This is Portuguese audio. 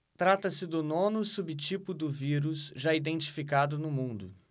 trata-se do nono subtipo do vírus já identificado no mundo